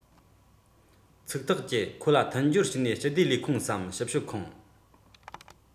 ཚིག ཐག བཅད ཁོ ལ མཐུན སྦྱོར བྱས ནས སྤྱི བདེ ལས ཁུངས སམ ཞིབ དཔྱོད ཁང